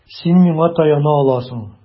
Син миңа таяна аласың.